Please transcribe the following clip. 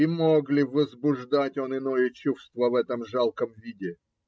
И мог ли возбуждать он иное чувство в этом жалком виде